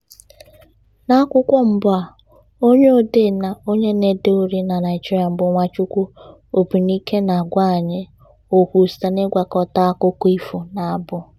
N'akwụkwọ mbụ a, onye odee na onye na-ede uri na Naijiria bụ Nwachukwu Egbunike na-agwa anyị okwu site n'ịgwakọta akụkọ ifo na abụ.